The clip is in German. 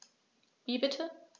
Wie bitte?